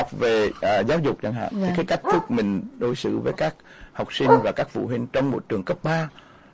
về giáo dục chẳng hạn thì cái cách thức mình đối xử với các học sinh với các phụ huynh trong một cái trường cấp ba